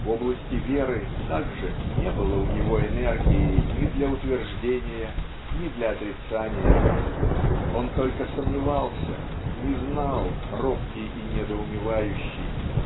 В области веры также не было у него энергии ни для утверждения ни для отрицания он только сомневался не знал робкий и недоумевающий